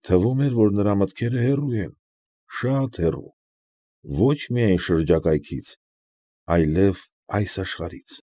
Թվում էր, որ նրա մտքերը հեռու են, շատ հեռու ոչ միայն շրջակայքից, այլև այս աշխարհից։